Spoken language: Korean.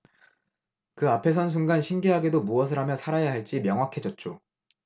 그 앞에 선 순간 신기하게도 무엇을 하며 살아야 할지 명확해졌죠